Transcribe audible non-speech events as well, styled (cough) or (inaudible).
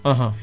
(hesitation) (hesitation)